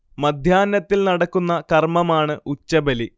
മധ്യാഹ്നത്തിൽ നടക്കുന്ന കർമമാണ് ഉച്ചബലി